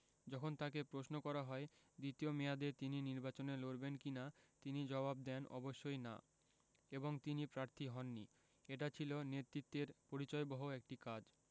যখন তাঁকে প্রশ্ন করা হয় দ্বিতীয় মেয়াদে তিনি নির্বাচনে লড়বেন কি না তিনি জবাব দেন অবশ্যই না এবং তিনি প্রার্থী হননি এটা ছিল নেতৃত্বের পরিচয়বহ একটি কাজ